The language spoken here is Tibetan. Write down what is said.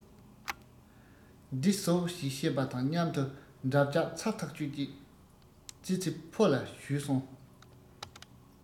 འདི ཟོ ཞེས བཤད པ དང མཉམ དུ འགྲམ ལྕག ཚ ཐག ཆོད གཅིག ཙི ཙི ཕོ ལ ཞུས སོང